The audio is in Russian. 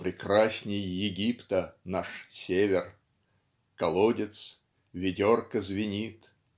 Прекрасней Египта наш Север. Колодец. Ведерко звенит.